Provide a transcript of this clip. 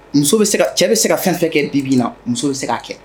Cɛ bɛ se ka fɛn fɛn kɛ bibi na muso bɛ se ka kɛ